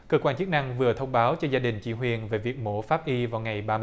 cơ quan chức năng vừa thông báo cho gia đình chị huyền về việc mổ pháp y vào ngày ba